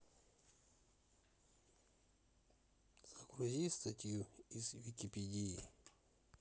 загрузи статью из википедии